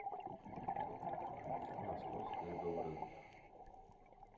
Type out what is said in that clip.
московское доброе утро